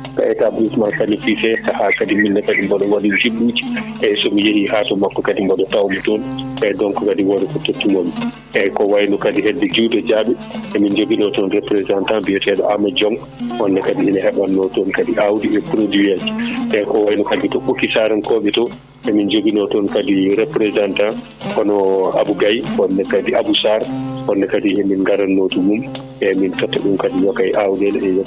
ceerno Aboubacry golle maa joo?ii peewii en mbeltaniima mo no feewi no feewi no feewi e yeewtere ndee en mbeltaniima radio ngo kadi e humpito ngo addani oo banndiraa?e ?ee en mbeltaniima no feewi musi??o men jaggan?o en kaa?ir?e ?ee haa mbaaw?en yettinde yeewtere ndee ?oo no foti yettoraade nii nde tawnoo wonaano huunde wee?nde waawde wa?de yeewtere ndee waande nii en mbaddii ?um e musi??o mee?en kono noon en njettirii ?um Allah no feewi no feewi no feewi en njaarnii denndaangal ?e nganndu?aa ?ee ?oo nii ko kañumen kettotonoo yeewtere nde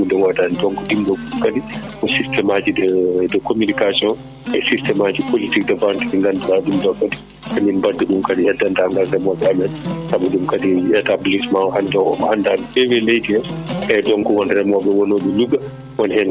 gila fu??i haa on heen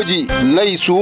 njaafo?on min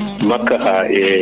nganndon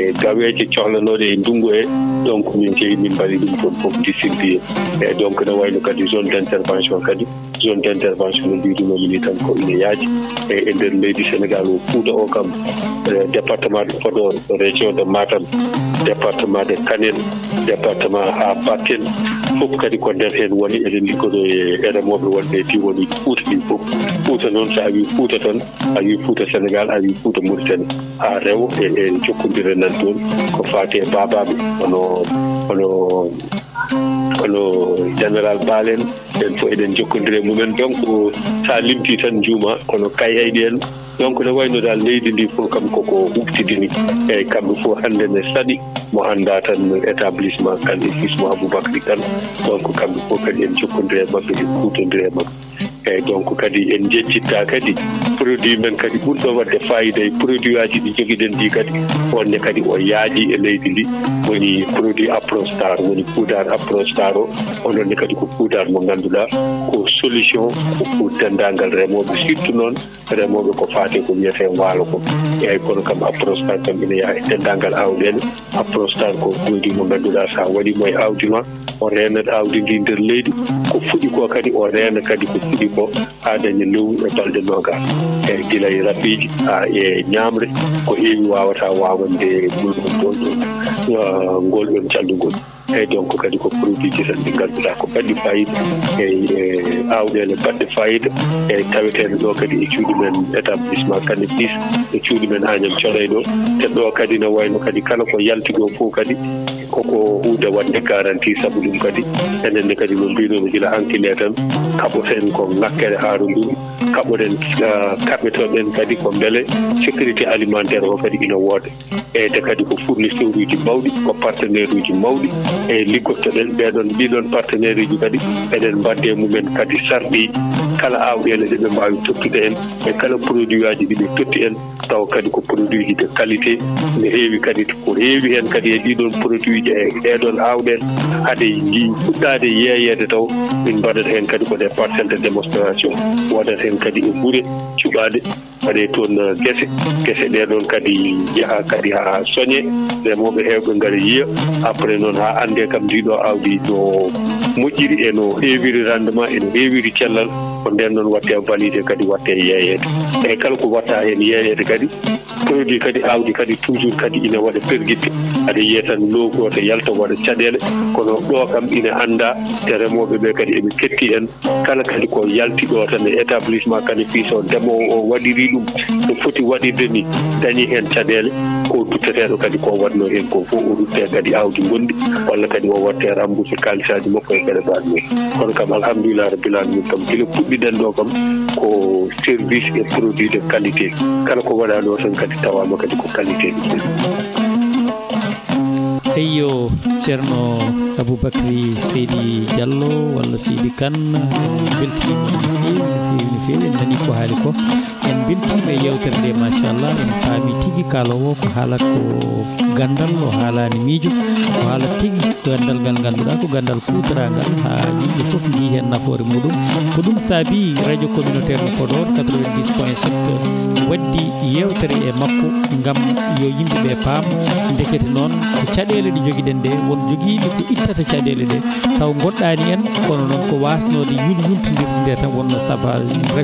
ko ke?ir?e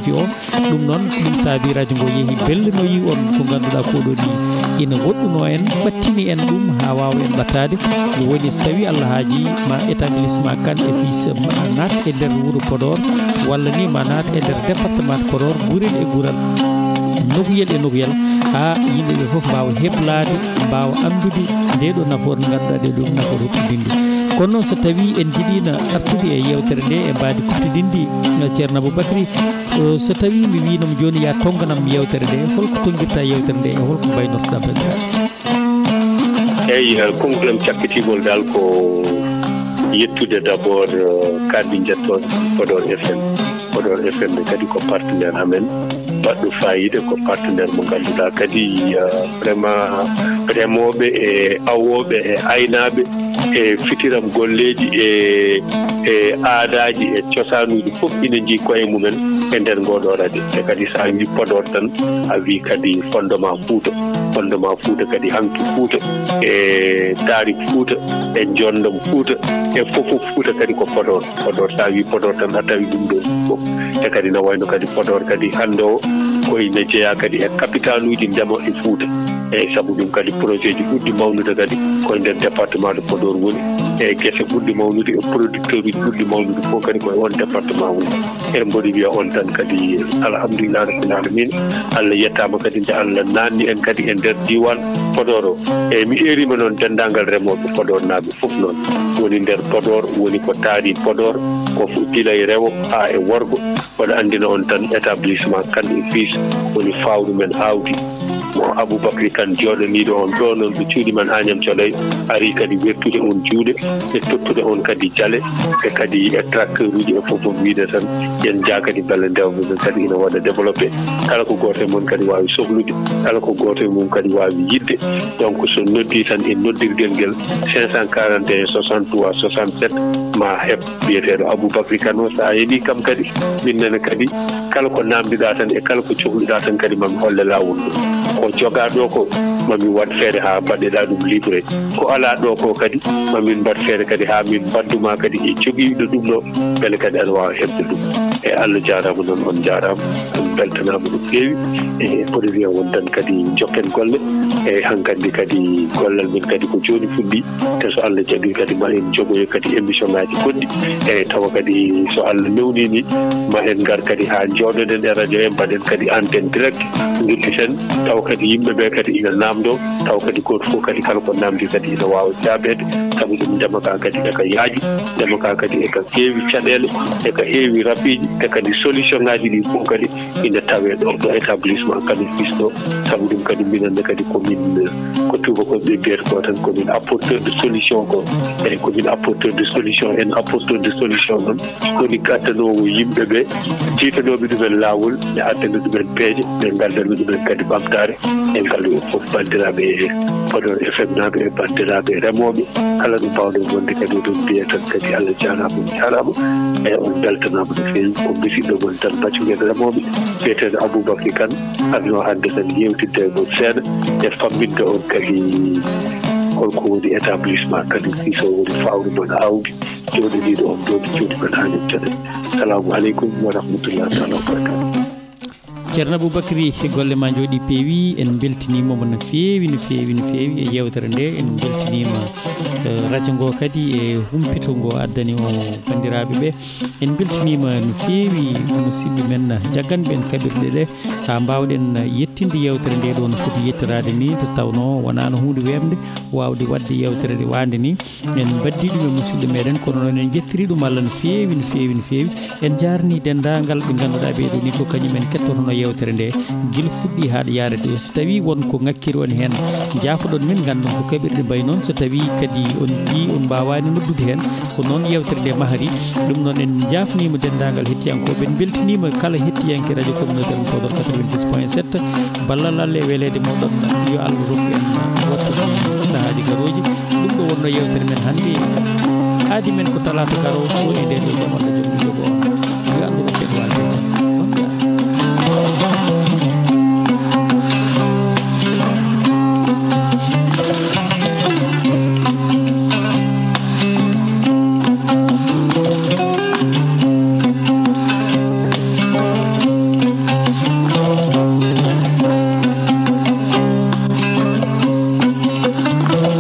mbayi noon so tawii on njiyii on mbaawaani noddude heen ko noon yeewtere ndee mahrii ?um noon en njaafniima denndaangal hettiyankoo?e en mbeltaniima kala hettihanke radio communautaire mo Podor FM 90 POINT 7 ballal Allah e weleende mo?on yo Allah rokku en tawtoreede sahaaji garooji ?um ?oo wonnoo yeewtere men hannde aadi men ko talaata garoo?o ?o e ndeer ?o * yo Allah rokku en walde e jam